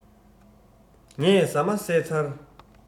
ངས ཟ མ བཟས ཚར